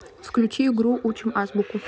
включи игру учим азбуку